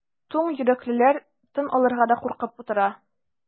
Туң йөрәклеләр тын алырга да куркып утыра.